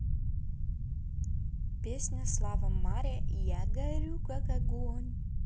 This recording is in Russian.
песня слава маре я горю как огонь